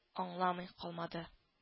Аңламый калмады